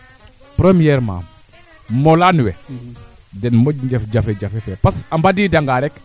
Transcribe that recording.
quantité fee waag ona jeg faak fo feede faak jeg kino o feet fa'a lakra ndaxte ko fang ndaa